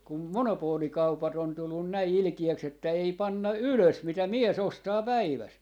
kun monopoolikaupat on tullut näin ilkeäksi että ei panna ylös mitä mies ostaa päivässä